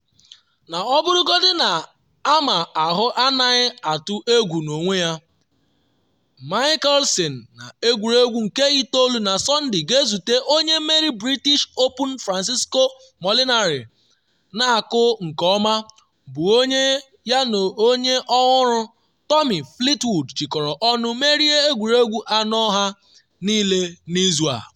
Na ọ bụrụgodi na ama ahụ anaghị atụ egwu n’onwe ya, Mickelson, na egwuregwu nke itoolu na Sọnde ga-ezute onye mmeri British Open Francesco Molinari na-akụ nke ọma, bụ onye ya na onye ọhụrụ Tommy Fleetwood jikọrọ ọnụ merie egwuregwu anọ ha niile n’izu a.